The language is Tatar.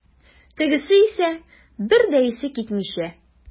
Тегесе исә, бер дә исе китмичә.